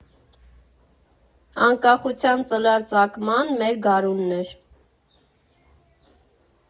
Անկախության ծլարձակման մեր գարունն էր։